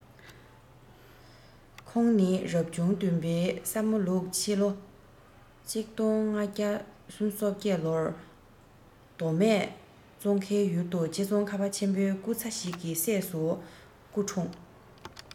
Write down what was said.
ཁོང ནི རབ བྱུང བདུན པའི ས མོ ལུག ཕྱི ལོ ༡༤༣༩ ལོར མདོ སྨད ཙོང ཁའི ཡུལ དུ རྗེ ཙོང ཁ པ ཆེན པོའི སྐུ ཚ ཞིག གི སྲས སུ སྐུ འཁྲུངས